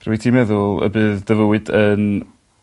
rwyt ti meddwl y bydd dy fywyd yn